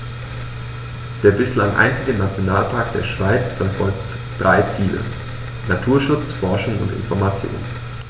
Der bislang einzige Nationalpark der Schweiz verfolgt drei Ziele: Naturschutz, Forschung und Information.